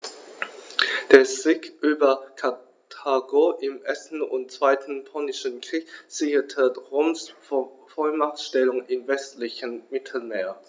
Der Sieg über Karthago im 1. und 2. Punischen Krieg sicherte Roms Vormachtstellung im westlichen Mittelmeer.